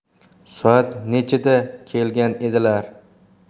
soat nechada kelgan edilar